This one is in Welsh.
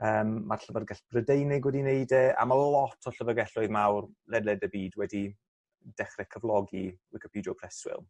Yym ma'r llyfyrgell Brydeinig wedi neud e a ma' lot o llyfyrgelloedd mawr leded y byd wedi dechre cyflogi wicopidio preswyl.